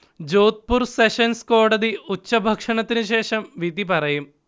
Jodhpur sessions കോടതി ഉച്ചഭക്ഷണത്തിനു ശേഷം വിധി പറയും